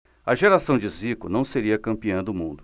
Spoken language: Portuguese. a geração de zico não seria campeã do mundo